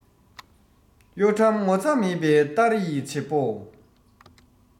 གཡོ ཁྲམ ངོ ཚ མེད པའི སྟ རེ ཡི བྱེད པོ